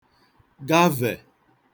gavè